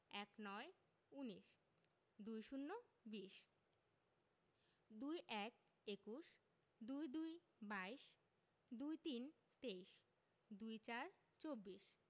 ১৯ উনিশ ২০ বিশ ২১ একুশ ২২ বাইশ ২৩ তেইশ ২৪ চব্বিশ